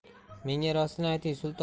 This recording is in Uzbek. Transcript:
menga rostini ayting sulton